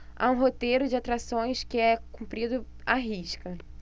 há um roteiro de atrações que é cumprido à risca